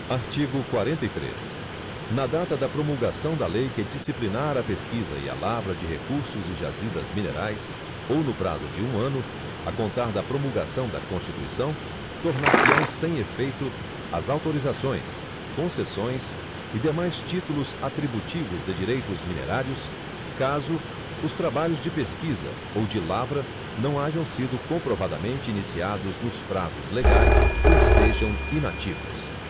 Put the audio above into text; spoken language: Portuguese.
artigo quarenta e três na data da promulgação da lei que disciplinar a pesquisa e a lavra de recursos e jazidas minerais ou no prazo de um ano a contar da promulgação da constituição tornar se ão sem efeito as autorizações concessões e demais títulos atributivos de direitos minerários caso os trabalhos de pesquisa ou de lavra não hajam sido comprovadamente iniciados nos prazos legais ou estejam inativos